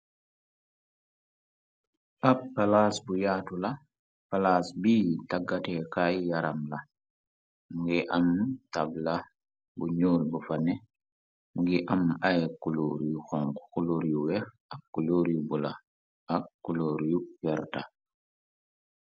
ab palaas bu yaatu la palaas bi taggate kaay yaram la ngi am tabla bu ñool bu fane ngi am ay kuluor yu xong kuluor yuwex ak kuluor yu bu la ak kuloor yu werta